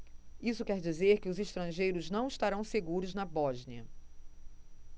isso quer dizer que os estrangeiros não estarão seguros na bósnia